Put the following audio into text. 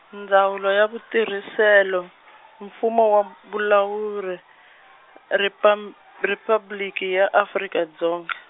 Ndzawulo ya vu thiriselo, Mfumo wa Vulawuri, Ripam- Riphabliki ya Afrika Dzonga.